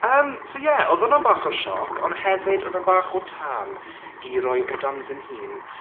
Yym so ie oedd hwnna'n bach o sioc ond hefyd oedd e'n bach o tan i roi o dan fy nhin.